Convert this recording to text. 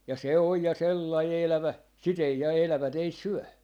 ja se on ja sellainen elävä sitä ei ja elävät ei syö